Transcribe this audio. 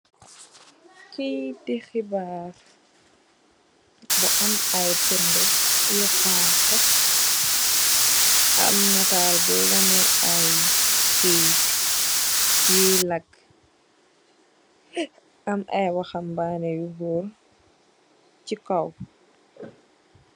Keyti xibaar bu am ay binda yu xonxu am netal bui wone ay keyt keyt yun laka am ay waxambaane yu goor si kaw.